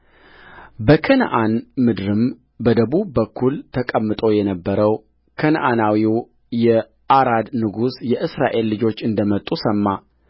በከነዓን ምድርም በደቡብ በኩል ተቀምጦ የነበረው ከነዓናዊው የዓራድ ንጉሥ የእስራኤል ልጆች እንደ መጡ ሰማ